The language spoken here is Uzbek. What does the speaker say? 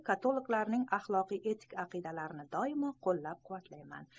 katoliklarning axloqiy etik aqidalarini doimo qo'llab quvvatlayman